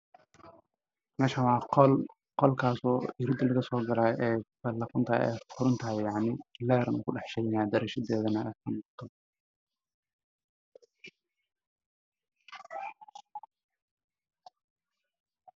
Waa qol midabkiisu yahay caddaan la heer caddaan ayaa ka ifaayo albaabka uu furan yahay